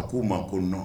A k' u ma ko n nɔ